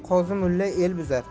qozi mulla el buzar